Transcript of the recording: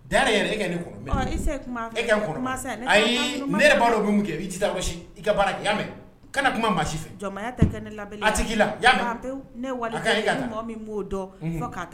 D'ailleurs yɛrɛ e ka ne kɔrɔ, ɔ, i see kuma'fɛ, kuma'sɛ, e ka ne kɔnɔ, ayi, ne yɛrɛ b'a don n bɛ mun kɛ, i tɛ taa yɔrɔ si, i ka baara kɛ, kana kuma maa si fɛ, jɔnmaya tɛ kɛ ne la bileni, a tɛ kɛ i la, i 'amɛn?O ban ye pewu, Ne ye wali den de ye, ni mɔg min m'ɔ dn, a kaɲi e ka taa